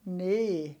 niin